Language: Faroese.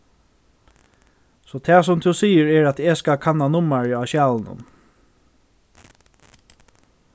so tað sum tú sigur er at eg skal kanna nummarið á skjalinum